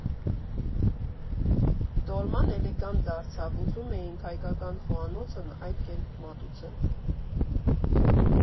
Դոլման էլեգանտ դարձավ, ուզում էինք հայկական խոհանոցն այդ կերպ մատուցել։